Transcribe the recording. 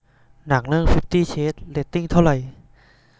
หนังเรื่องฟิฟตี้เชดส์เรตติ้งเท่าไหร่